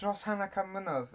Dros hanner can mlynedd?